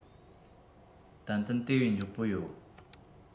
ཏན ཏན དེ བས མགྱོགས པ ཡོད